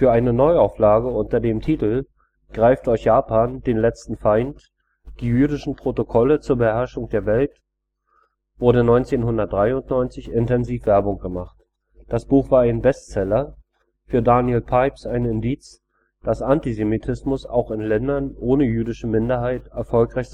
eine Neuauflage unter dem Titel: Greift euch Japan, den letzten Feind! Die jüdischen Protokolle zur Beherrschung der Welt wurde 1993 intensiv Werbung gemacht, das Buch wurde ein Bestseller − für Daniel Pipes ein Indiz, dass Antisemitismus auch in Ländern ohne jüdische Minderheit erfolgreich